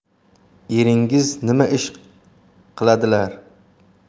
eringiz nima ish qiladilar